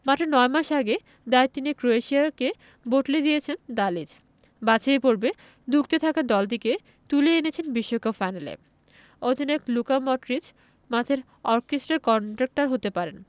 মাত্র ৯ মাস আগে দায়িত্ব নিয়ে ক্রোয়েশিয়াকে বদলে দিয়েছেন দালিচ বাছাই পর্বে ধুঁকতে থাকা দলটিকে তুলে এনেছেন বিশ্বকাপ ফাইনালে অধিনায়ক লুকা মডরিচ মাঠের অর্কেস্ট্রার কন্ডাক্টর হতে পারেন